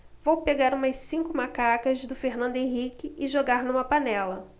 vou pegar umas cinco macacas do fernando henrique e jogar numa panela